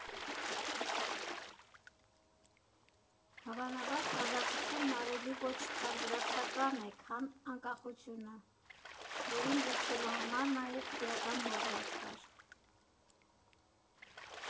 Հավանաբար ազատությունն ավելի ոչ թանձրացական է, քան անկախությունը, որին ձգտելու համար նաև քրեական հոդված կար։